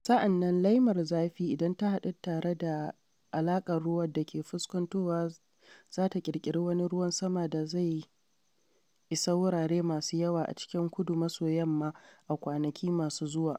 Sa’an nan, laimar zafin idan ta haɗu tare da akalar ruwa da ke fuskantowa za ta ƙirƙiri wani ruwan sama da zai isa wurare masu yawa a cikin kudu-maso-yamma a kwanaki masu zuwa.